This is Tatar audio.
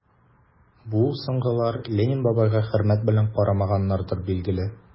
Бу соңгылар Ленин бабайга хөрмәт белән карамаганнардыр, билгеле...